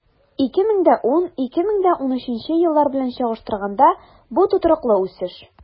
2010-2013 еллар белән чагыштырганда, бу тотрыклы үсеш.